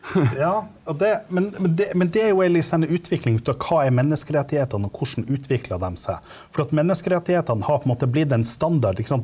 ja og det men men det men det er jo ei utvikling hva er menneskerettighetene og hvordan utvikler dem seg, fordi at menneskerettighetene har på en måte blitt en standard, ikke sant.